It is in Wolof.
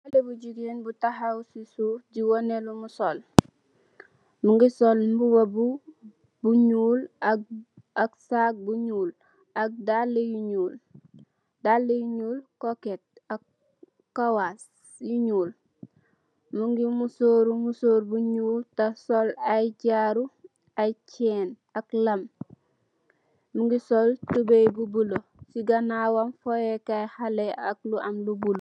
Xale bu jigeen bu tawaw so suuf di woneh lum sol mogi sol mbuba bu nuul ak ak sag bu nuul ak daala yu nuul daal yu nuul koket ak kawas yu nuul mogi musurr musurr bu nuul teh sol ay jaaru ay chain ak lam mogi sol tubai bu bulo si ganawam foyeh kai xale ak lu ma lu bulo.